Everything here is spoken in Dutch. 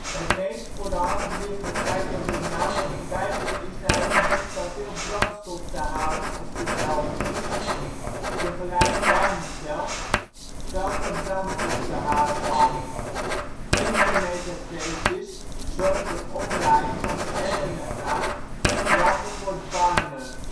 Het meest voor de hand liggend lijkt dat de naam een verwijzing is naar ' een gebied waar veel brandstof te halen of te delven is ', (vergelijk ' Barneveld ': veld waar brandstof te halen valt). Klinkermethatesis zorgt voor omdraaiing van de r en de a: branden wordt barnen